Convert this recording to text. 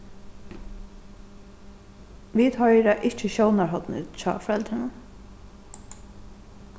vit hoyra ikki sjónarhornið hjá foreldrunum